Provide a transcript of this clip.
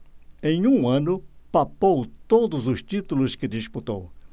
em um ano papou todos os títulos que disputou